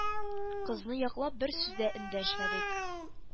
Кызны яклап бер сүз эндәшмәдек.